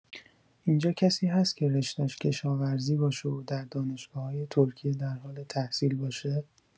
اینجا کسی هست که رشته ش کشاورزی باشه و در دانشگاه‌‌های ترکیه در حال تحصیل باشه؟